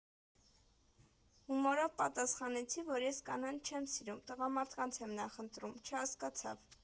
Հումորով պատասխանեցի, որ ես կանանց չեմ սիրում, տղամարդկանց եմ նախընտրում, չհասկացավ։